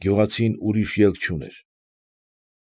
Գյուղացին ուրիշ ելք չուներ։